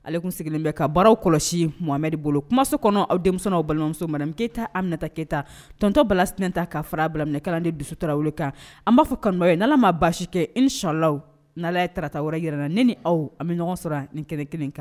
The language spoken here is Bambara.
Ale kun sigilen bɛ ka baara kɔlɔsi Mohamɛdi bolo, kumaso kɔnɔ, aw denmusow n'aw balimamuso madamu Keyita Aminɛta Keyita, tɔntɔn Bala Sinɛnta k'a fara bala minɛ kalanden Dusu Trawele kan an b'a fɔ kanubaaw ye n'Ala ma basi kɛ inch'Allahou n'Ala ye tarata wɛrɛ jira an na ne ni aw an bɛ ɲɔgɔn sɔrɔ yan ni kɛnɛ kelen in kan.